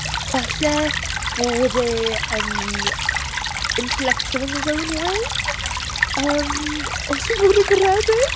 Falle bod e yn intellectual in his own way? Yym os fi'n bod yn garedig.